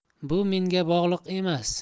bu menga bog'liq emas